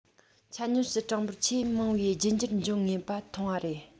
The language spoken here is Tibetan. ཆ སྙོམས སུ གྲངས འབོར ཆེས མང བའི རྒྱུད འགྱུར འབྱུང ངེས པ མཐོང བ རེད